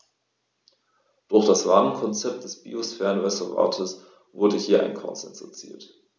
Durch das Rahmenkonzept des Biosphärenreservates wurde hier ein Konsens erzielt.